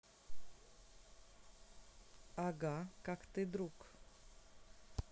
ага как ты друг